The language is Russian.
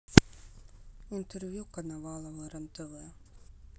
интервью коновалова рен тв